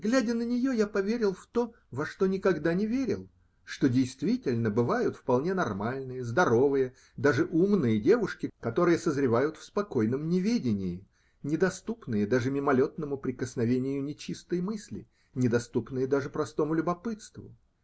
Глядя на нее, я поверил в то, во что никогда не верил: что действительно бывают вполне нормальные, здоровые, даже умные девушки, которые созревают в спокойном неведении, недоступные даже мимолетному прикосновению нечистой мысли, недоступные даже простому любопытству.